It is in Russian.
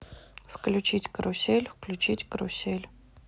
включить карусель включить карусель